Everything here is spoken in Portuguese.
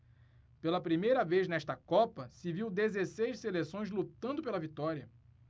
pela primeira vez nesta copa se viu dezesseis seleções lutando pela vitória